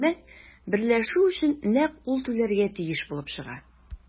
Димәк, берләшү өчен нәкъ ул түләргә тиеш булып чыга.